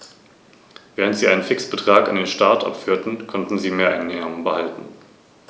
Das Fell der Igel ist meist in unauffälligen Braun- oder Grautönen gehalten.